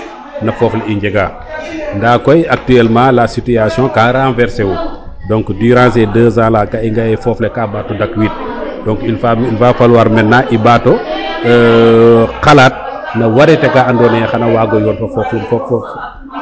no foof le i njega nda koy actuellement la situation ka renverser u donc durant ses deux ans lai nga e foof le ka ɓaatu dak wiin donc il va faloir maintenant i ɓato xalat no varier aka ando naye xana wago yoon fo fo